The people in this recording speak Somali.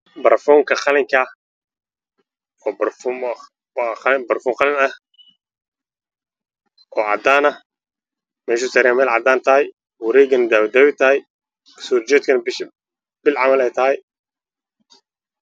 Meeshaan waxaa ka muuqdo barafoon qalin ah